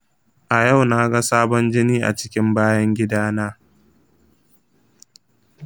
a yau na ga sabon jini a cikin bayan gidana.